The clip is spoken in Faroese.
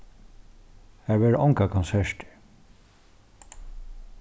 har verða ongar konsertir